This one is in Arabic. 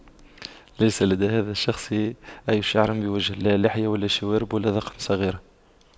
ليس لدى هذا الشخص اي شعر بوجهه لا لحية ولا شوارب ولا ذقن صغيرة